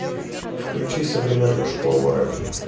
включи современную школу рэп